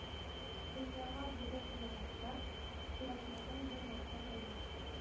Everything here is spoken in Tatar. Дөньяга белеп яраткан, кирәкмәгән бер нәрсә дә юк